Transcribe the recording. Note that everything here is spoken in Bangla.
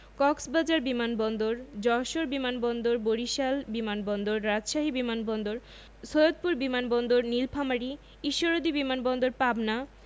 কক্সবাজার বিমান বন্দর যশোর বিমান বন্দর বরিশাল বিমান বন্দর রাজশাহী বিমান বন্দর সৈয়দপুর বিমান বন্দর নিলফামারী ঈশ্বরদী বিমান বন্দর পাবনা